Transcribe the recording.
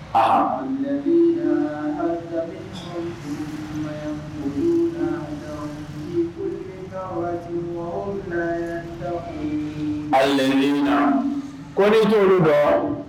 Agɛninyan ko duuru don